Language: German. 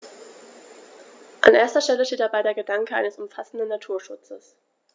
An erster Stelle steht dabei der Gedanke eines umfassenden Naturschutzes.